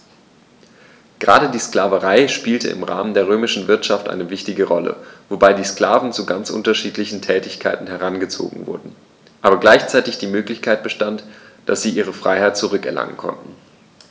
Gerade die Sklaverei spielte im Rahmen der römischen Wirtschaft eine wichtige Rolle, wobei die Sklaven zu ganz unterschiedlichen Tätigkeiten herangezogen wurden, aber gleichzeitig die Möglichkeit bestand, dass sie ihre Freiheit zurück erlangen konnten.